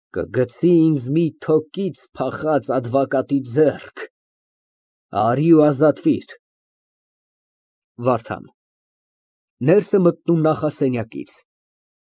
Կգցի ինձ մի թոկից փախած ադվակատի ձեռք, արի ու ազատվիր… ՎԱՐԴԱՆ ֊ (Ներս է մտնում նախասենյակից։